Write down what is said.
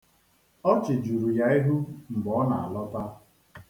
Ọchị juru ya ihu mgbe ọ na-alọta.